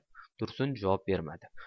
tursun javob bermadi